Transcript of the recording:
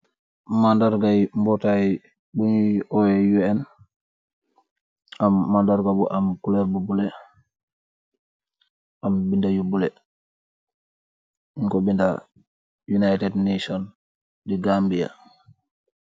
Manndargay mbootaay buñuy oe u n am màndarga bu am kuler bu bule am binda yu bule ko binda united nation di gambie.